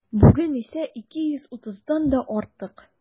Бүген исә 230-дан да артык.